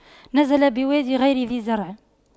نزل بواد غير ذي زرع